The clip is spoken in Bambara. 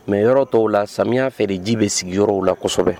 Mais yɔrɔ tɔw la samiya fɛ de ji be sigi yɔrɔw la kosɛbɛ